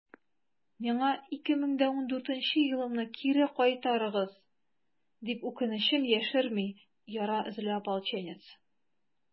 «миңа 2014 елымны кире кайтарыгыз!» - дип, үкенечен яшерми яра эзле ополченец.